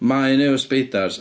Mae i wneud efo sbeidars.